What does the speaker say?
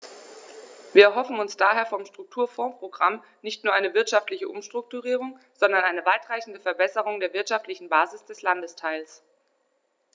Wir erhoffen uns daher vom Strukturfondsprogramm nicht nur eine wirtschaftliche Umstrukturierung, sondern eine weitreichendere Verbesserung der wirtschaftlichen Basis des Landesteils.